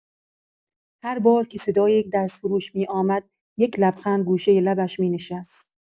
هر بار که صدای یه دستفروش می‌اومد، یه لبخند گوشۀ لبش می‌نشست.